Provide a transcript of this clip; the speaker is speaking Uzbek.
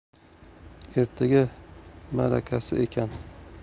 ertaga ma'rakasi ekan